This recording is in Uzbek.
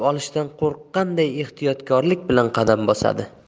olishdan qo'rqqanday ehtiyotlik bilan qadam bosadi